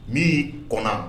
Min kɔnɔ